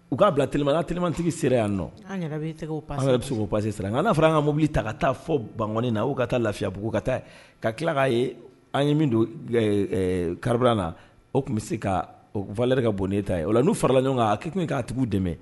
U k'a bila tma n tematigi sera yan nɔ an yɛrɛ an yɛrɛ bɛ se kose siran n an' fɔra an ka mobili ta ka taa fɔ bangɔni na uu ka taa lafiyabugu ka taa ka tila k'a ye an ye min don kari na o tun bɛ se ka v ka bonnen ta ye ɔ n' farala ɲɔgɔn kan a k'a tigi dɛmɛ